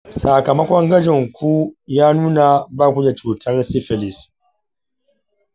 sakamakon gwajinku ya nuna ba ku da cutar syphilis.